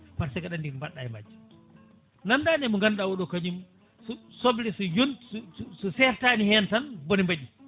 par ce que aɗa andi ko mbaɗɗa e majje nandani e mo ganduɗa oɗo kañum soble so yonti so so sertani hen tan bone mbaɗi